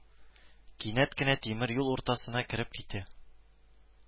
Кинәт кенә тимер юл уртасына кереп китә